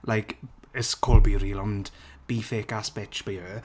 like, it's called BeReal ond be fake as bitch by 'ere.